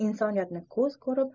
insoniyatni ko'z ko'rib